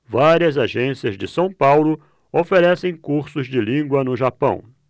várias agências de são paulo oferecem cursos de língua no japão